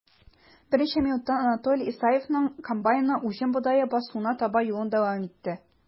Берничә минуттан Анатолий Исаевның комбайны уҗым бодае басуына таба юлын дәвам итте.